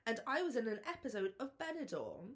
and I was in an episode of Benidorm.